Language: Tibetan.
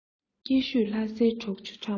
སྐྱིད ཤོད ལྷ སའི གྲོག ཆུ ཕྲ མོ